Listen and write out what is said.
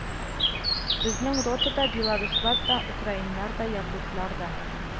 Безнең ротада белоруслар да, украиннар да, якутлар да